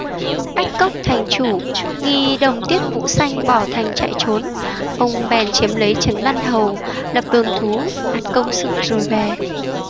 bách cốc thành chủ nghi đồng tiết vũ sanh bỏ thành chạy trốn ông bèn chiếm lấy trấn văn hầu lập đồn thú đặt công sự rồi về